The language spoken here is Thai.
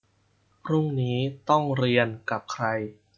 พรุ่งนี้ต้องเรียนกับใคร